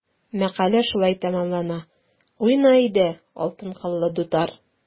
Мәкалә шулай тәмамлана: “Уйна, әйдә, алтын кыллы дутар!"